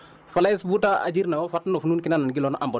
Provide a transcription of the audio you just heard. wax daal su feebaree nopp bi koy nopp bi koy dégloo war a wér kon